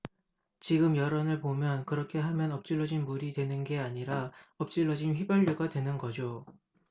지금 여론을 보면 그렇게 하면 엎질러진 물이 되는 게 아니라 엎질러진 휘발유가 되는 거죠